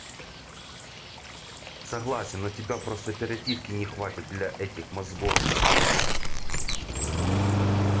согласен но тебя просто оперативки не хватит для для этих мозгов то